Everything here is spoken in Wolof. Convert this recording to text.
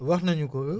wax nañu ko